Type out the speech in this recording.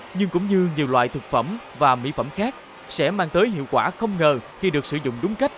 hưng cũng như nhiều loại thực phẩm và mỹ phẩm khác sẽ mang tới hiệu quả không ngờ khi được sử dụng đúng cách